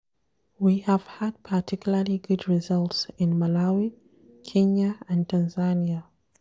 PG: We have had particularly good results in Malawi, Kenya and Tanzania.